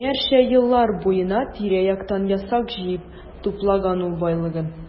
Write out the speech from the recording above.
Меңнәрчә еллар буена тирә-яктан ясак җыеп туплаган ул байлыгын.